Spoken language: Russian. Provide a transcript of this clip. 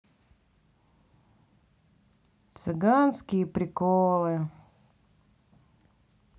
цыганские приколы